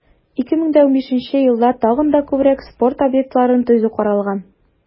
2015 елда тагын да күбрәк спорт объектларын төзү каралган.